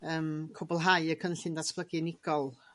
yym cwbwlhau y cynllun datblygu unigol.